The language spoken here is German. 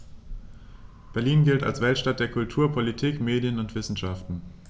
Berlin gilt als Weltstadt der Kultur, Politik, Medien und Wissenschaften.